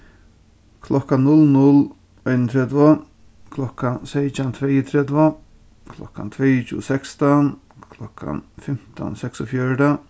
klokkan null null einogtretivu klokkan seytjan tveyogtretivu klokkan tveyogtjúgu sekstan klokkan fimtan seksogfjøruti